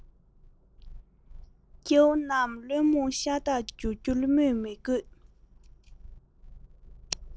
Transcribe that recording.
སྐྱེ བོ རྣམས བློ རྨོངས ཤ སྟག འབྱུང རྒྱུ ནི སྨོས མེད ལགས